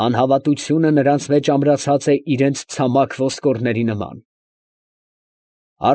Անհավատությունը նրանց մեջ ամրացած է իրանց ցամաք ոսկորների նման։